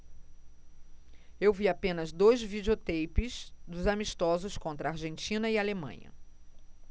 eu vi apenas dois videoteipes dos amistosos contra argentina e alemanha